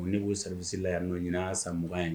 U ne b'u sarabisila yan n'o ɲin'a san mugan ye